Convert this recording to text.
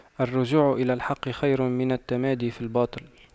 الرجوع إلى الحق خير من التمادي في الباطل